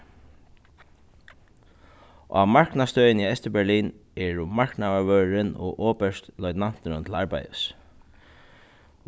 á marknastøðini í eysturberlin eru marknaðarvørðurin og oberstloytnanturin til arbeiðis